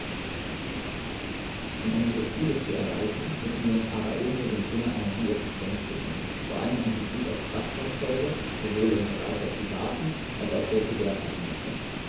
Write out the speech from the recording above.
Um unsere Ziele zu erreichen, müssen wir uns aber ebenso dem Thema Energieeffizienz widmen, vor allem in Bezug auf Kraftfahrzeuge - sowohl im Bereich der privaten als auch der gewerblichen Nutzung.